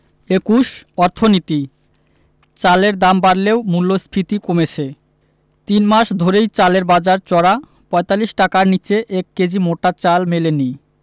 ২১ অর্থনীতি চালের দাম বাড়লেও মূল্যস্ফীতি কমেছে তিন মাস ধরেই চালের বাজার চড়া ৪৫ টাকার নিচে ১ কেজি মোটা চাল মেলেনি